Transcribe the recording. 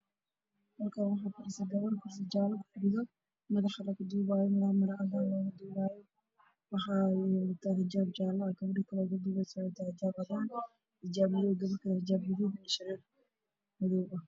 Halkaan waxaa fadhiyo gabar kursi jaale ah kufadhiso oo madaxa laga duubayo oo maro cadaan ah looga duubayo, waxay wadataa xijaab jaale ah, gabadha kale waxay wadataa xijaab cadaan ah, gabar kale xijaab madow iyo indho shareer madow.